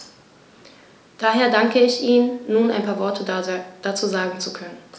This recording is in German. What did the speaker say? Daher danke ich Ihnen, nun ein paar Worte dazu sagen zu können.